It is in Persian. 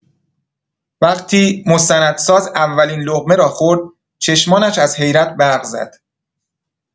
وقتی مستندساز اولین لقمه را خورد، چشمانش از حیرت برق زد.